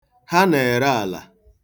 Ha na-ere ala.